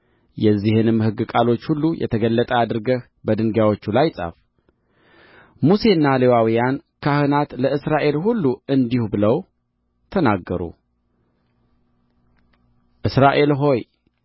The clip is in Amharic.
የዚህንም ሕግ ቃሎች ሁሉ የተገለጠ አድርገህ በድንጋዮቹ ላይ ጻፍ ሙሴና ሌዋውያን ካህናት ለእስራኤል ሁሉ እንዲህ ብለው ተናገሩ እስራኤል ሆይ